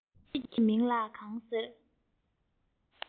ཁྱེད མིང ལ གང ཟེར